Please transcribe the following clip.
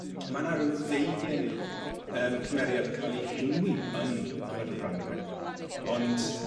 Ma' 'na ryw ddeugen yym cymeriad yn ca'l 'u henwi yn chwedl Branwen, ond